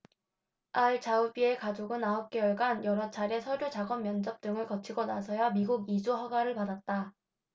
알 자우비의 가족은 아홉 개월간 여러 차례 서류작업 면접 등을 거치고 나서야 미국 이주 허가를 받았다